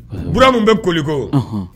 Bura minnu bɛ koliko